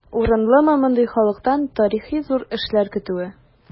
Урынлымы мондый халыктан тарихи зур эшләр көтүе?